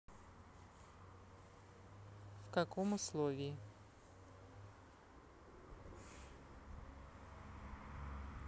в каком условии